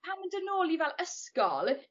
Pan ni'n dod nôl i fel ysgol